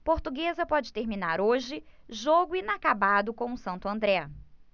portuguesa pode terminar hoje jogo inacabado com o santo andré